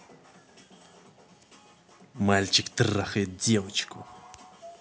мальчик трахает девочку